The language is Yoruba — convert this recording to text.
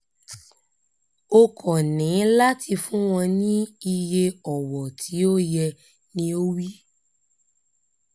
O kàn níláti fún wọn ní iye ọ̀wọ̀ tí ó yẹ, ni ó wí.